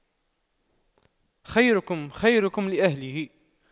خيركم خيركم لأهله